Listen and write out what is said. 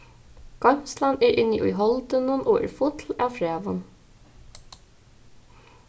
goymslan er inni í holdinum og er full av fræum